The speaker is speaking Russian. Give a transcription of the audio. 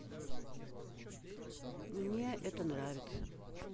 мне это нравится